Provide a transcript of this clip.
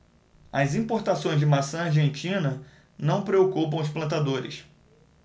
as importações de maçã argentina não preocupam os plantadores